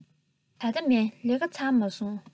ད ལྟ མིན ལས ཀ ཚར མ སོང